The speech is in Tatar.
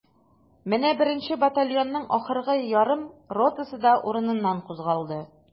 Менә беренче батальонның ахыргы ярым ротасы да урыныннан кузгалды.